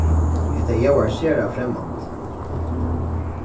hetta ljóðar sera fremmant